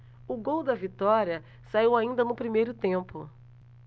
o gol da vitória saiu ainda no primeiro tempo